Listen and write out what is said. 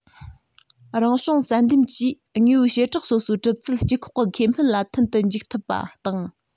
རང བྱུང བསལ འདེམས ཀྱིས དངོས པོའི བྱེ བྲག སོ སོའི གྲུབ ཚུལ སྤྱི ཁོག གི ཁེ ཕན ལ མཐུན དུ འཇུག ཐུབ པ དང